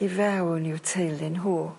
i fewn i'w teulu nhw.